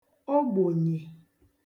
ogbònyè